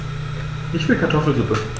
Ich will Kartoffelsuppe.